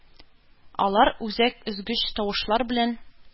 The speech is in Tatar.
Алар үзәк өзгеч тавышлар белән